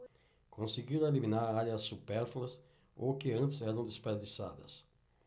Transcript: conseguiram eliminar áreas supérfluas ou que antes eram desperdiçadas